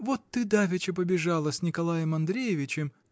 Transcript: Вот ты давеча побежала с Николаем Андреевичем.